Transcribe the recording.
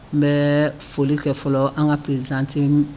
N bɛ foli kɛ fɔlɔ an ka peresizte